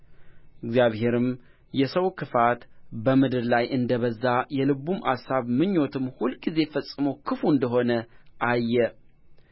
እግዚአብሔርም የሰው ክፉት በምድር ላይ እንደ በዛ የልቡ አሳብ ምኞትም ሁልጊዜ ፈጽሞ ክፉ እንደ ሆነ አየ